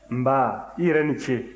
nba i yɛrɛ ni ce